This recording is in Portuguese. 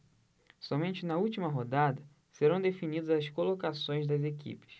somente na última rodada serão definidas as colocações das equipes